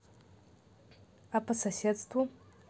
а по соседству